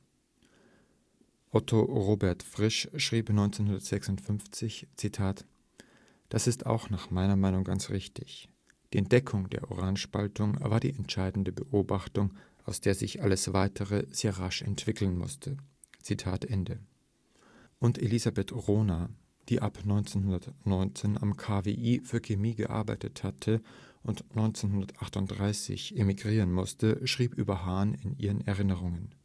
Otto Robert Frisch schrieb 1956: „ Das ist auch nach meiner Meinung ganz richtig. Die Entdeckung der Uranspaltung […] war die entscheidende Beobachtung, aus der sich alles weitere sehr rasch entwickeln musste. “Und Elizabeth Rona, die ab 1919 am KWI für Chemie gearbeitet hatte und 1938 emigrieren musste, schrieb über Hahn in ihren Erinnerungen